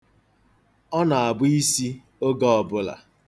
Ọ na-abụ isi oge ọbụla.